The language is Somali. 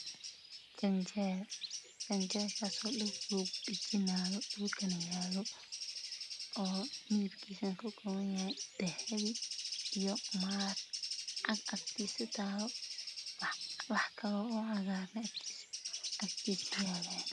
Ganjeel la dajinayo midabkiisa waa dahabi iyo maar agtiisa waxaa yaala cag kalarkisu waa madow